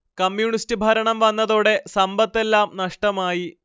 communist ഭരണം വന്നതോടെ സമ്പത്തെല്ലാം നഷ്ടമായി